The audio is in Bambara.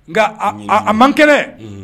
Nka a man kɛnɛ